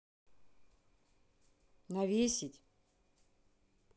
навесить